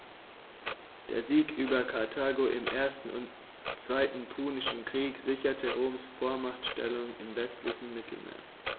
Der Sieg über Karthago im 1. und 2. Punischen Krieg sicherte Roms Vormachtstellung im westlichen Mittelmeer.